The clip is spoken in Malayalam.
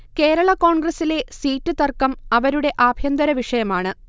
കേരള കോണ്ഗ്രസിലെ സീറ്റ് തര്ക്കം അവരുടെ ആഭ്യന്തര വിഷയമാണ്